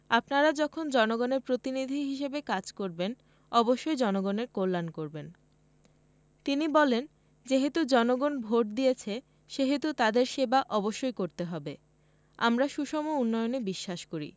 আপনারা যখন জনগণের প্রতিনিধি হিসেবে কাজ করবেন অবশ্যই জনগণের কল্যাণ করবেন তিনি বলেন যেহেতু জনগণ ভোট দিয়েছে সেহেতু তাদের সেবা অবশ্যই করতে হবে আমরা সুষম উন্নয়নে বিশ্বাস করি